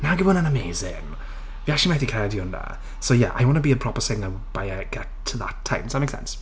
Nagyw hwnna'n amazing? Fi acshyli methu credu hwnna. So yeah, I want to be a proper singer by I get to that time. Does that make sense?